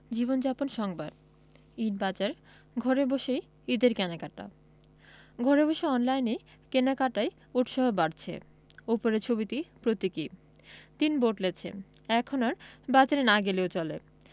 জীবন যাপন সংবাদ ঈদবাজার ঘরে বসেই ঈদের কেনাকাটা ঘরে বসে অনলাইনে কেনাকাটায় উৎসাহ বাড়ছে উপরের ছবিটি প্রতীকী দিন বদলেছে এখন আর বাজারে না গেলেও চলে